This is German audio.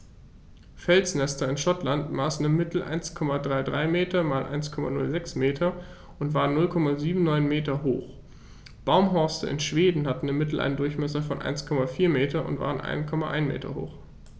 Felsnester in Schottland maßen im Mittel 1,33 m x 1,06 m und waren 0,79 m hoch, Baumhorste in Schweden hatten im Mittel einen Durchmesser von 1,4 m und waren 1,1 m hoch.